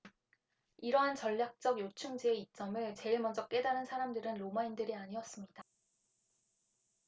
이러한 전략적 요충지의 이점을 제일 먼저 깨달은 사람들은 로마인들이 아니었습니다